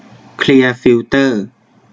เคลียร์ฟิลเตอร์